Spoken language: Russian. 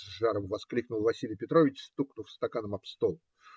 - с жаром воскликнул Василий Петрович, стукнув стаканом об стол.